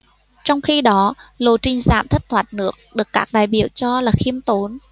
trong khi đó lộ trình giảm thất thoát nước được các đại biểu cho là khiêm tốn